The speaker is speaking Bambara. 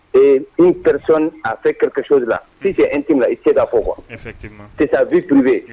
Ee n kɛracon a fɛ kɛrɛcsodi la' kɛ e ti la i tɛ da fɔ wa tɛ taa bitu bɛ